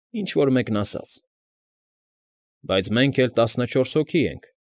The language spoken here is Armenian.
Ինչ֊որ մեկն ասաց. ֊ Բայց մենք էլ տասնչորս հոգի ենք։